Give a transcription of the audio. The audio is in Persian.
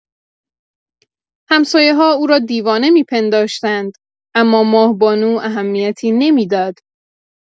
همسایه‌ها او را دیوانه می‌پنداشتند، اما ماه‌بانو اهمیتی نمی‌داد.